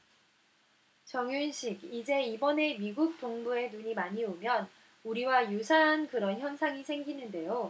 정윤식 이제 이번에 미국 동부에 눈이 많이 오면 우리와 유사한 그런 현상이 생기는데요